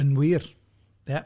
Yn wir, ie.